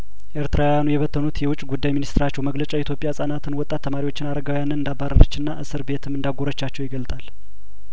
ኤርትራውያኑ የበተኑት የውጭ ጉዳይ ሚኒስቴራቸው መግለጫ ኢትዮጵያ ህጻናትን ወጣት ተማሪዎችን አረጋውያንን እንዳባረረችና እስር ቤትም እንዳጐረቻቸው ይገልጣል